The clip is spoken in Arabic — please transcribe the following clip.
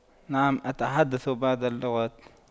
نعم أتحدث بعض اللغات